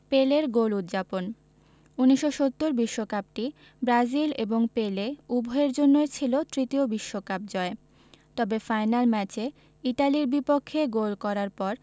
পেলের গোল উদ্যাপন ১৯৭০ বিশ্বকাপটি ব্রাজিল এবং পেলে উভয়ের জন্যই ছিল তৃতীয় বিশ্বকাপ জয় তবে ফাইনাল ম্যাচে ইতালির বিপক্ষে গোল করার পর